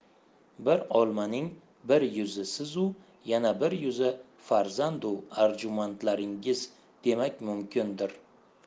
bir olmaning bir yuzi sizu yana bir yuzi farzandu arjumandlaringiz demak mumkindir